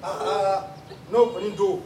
Anhaan n'o kɔni don